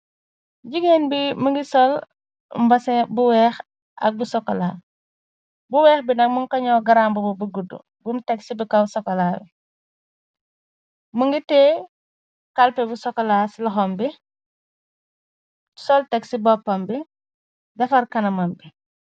Jigeen bi mu ngi sol mbase bu weex, ak bu sokola. Bu weex bi nag mun kañoo garambbu bu gudd, bum teg ci bi kaw sokolaa wi. Mu ngi tee kalpe bu sokolaa ci loxam bi. solteg ci boppam bi defar kana mam bi.